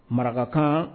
Marakakan